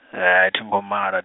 thingo mala.